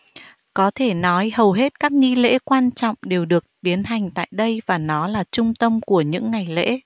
có thể nói hầu hết các nghi lễ quan trọng đều được tiến hành tại đây và nó là trung tâm của những ngày lễ